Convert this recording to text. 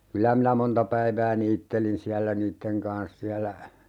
kyllä minä monta päivää niittelin siellä niiden kanssa siellä